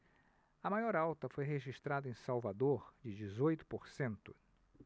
a maior alta foi registrada em salvador de dezoito por cento